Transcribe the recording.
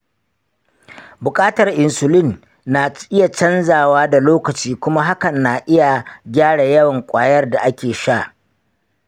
buƙatar insulin na iya canzawa da lokaci kuma hakan na iya gyara yawan ƙwayar da ake sha.